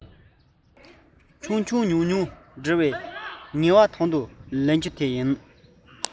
ཆུང ཆུང ཉུང ཉུང འབྲི བའི ངལ བ དང དུ ལེན རྒྱུ དེ ཡིན